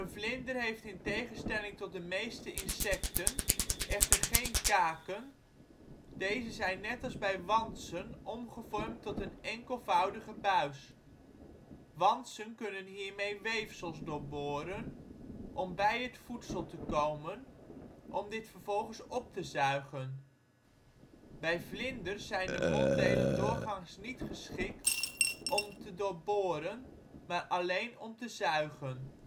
vlinder heeft in tegenstelling tot de meeste insecten echter geen kaken, deze zijn net als bij wantsen omgevormd tot een enkelvoudige buis. Wantsen kunnen hiermee weefsels doorboren om bij het voedsel te komen om dit vervolgens op te zuigen. Bij vlinders zijn de monddelen doorgaans niet geschikt om te doorboren maar alleen om te zuigen